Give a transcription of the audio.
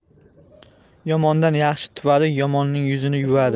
yomondan yaxshi tuvadi yomonning yuzini yuvadi